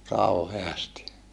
kauheasti